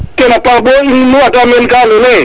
kene a paax bo i ata meen ka ando naye